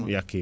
yakkima